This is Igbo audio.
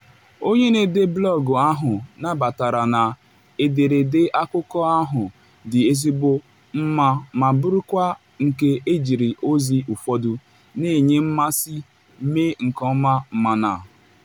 Onye na-ede blọọgụ ahụ nabatara na ederede akụkọ ahụ dị ezigbo mma ma bụrụkwa nke e jiri ozi ụfọdụ na-enye mmasị mee nkeọma, mana…